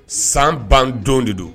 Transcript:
San bandon de don